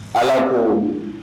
Ala mun